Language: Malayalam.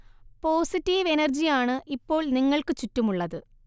പോസിറ്റീവ് എനർജി ആണ് ഇപ്പോൾ നിങ്ങൾക്ക് ചുറ്റുമുള്ളത്